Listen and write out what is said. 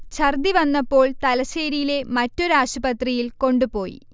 ഛർദ്ദി വന്നപ്പോൾ തലശേരിയിലെ മറ്റൊരു ആശുപത്രിയിൽ കൊണ്ടുപോയി